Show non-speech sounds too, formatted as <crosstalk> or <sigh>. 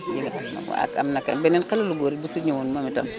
Djegane waaw am na kat beneen xale lu góor it bu fi ñewoon moom itam <noise>